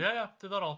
Ia, ia, diddorol.